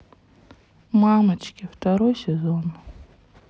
мамочки второй сезон